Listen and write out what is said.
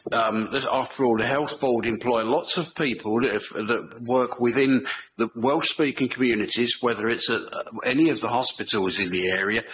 Um this- after all the health board employ lots of people that if- that work within the Welsh speaking communities, whether it's a uh any of the hospitals in the area,